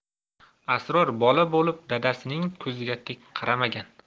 asror bola bo'lib dadasining ko'ziga tik qaramagan